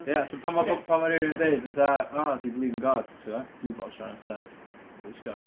Ie so pan 'ma po... pan mae rhywun yn dweud fatha "Oh do you believe in God?" Tibod dwi'n bob tro'n ateb "Which God?"